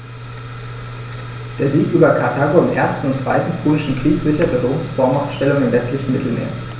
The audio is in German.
Der Sieg über Karthago im 1. und 2. Punischen Krieg sicherte Roms Vormachtstellung im westlichen Mittelmeer.